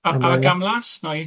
...a a gamlas neu?